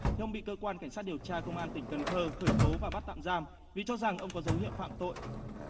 thì ông bị cơ quan cảnh sát điều tra công an tỉnh cần thơ khởi tố và bắt tạm giam vì cho rằng ông có dấu hiệu phạm tội